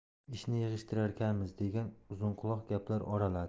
ishni yig'ishtirarkanmiz degan uzunquloq gaplar oraladi